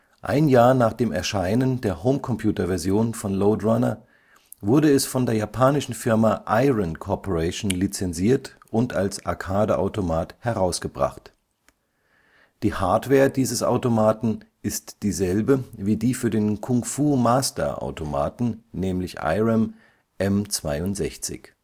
Ein Jahr nach dem Erscheinen der Homecomputer-Version von Lode Runner wurde es von der japanischen Firma Irem Corporation lizenziert und als Arcade-Automat herausgebracht. Die Hardware dieses Automaten ist dieselbe wie die für den Kung-Fu Master-Automaten, nämlich Irem M-62